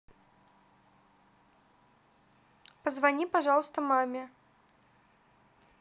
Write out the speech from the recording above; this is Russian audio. позвони пожалуйста маме